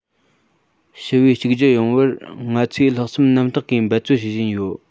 ཞི བས གཅིག གྱུར ཡོང བར ང ཚོས ལྷག བསམ རྣམ དག གིས འབད བརྩོན བྱེད བཞིན ཡོད